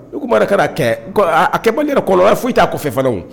U tunba ka kɛ a kɛ bɔ yɛrɛ kɔlɔn foyi t'a ko fɛfɛ